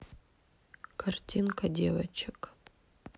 картинка девочек